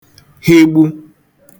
hịgbu